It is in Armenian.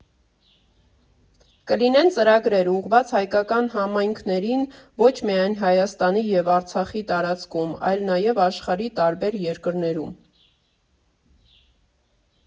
Կլինեն ծրագրեր ուղղված հայկական համայնքներին ոչ միայն Հայաստանի և Արցախի տարածքում, այլ նաև աշխարհի տարբեր երկրներում։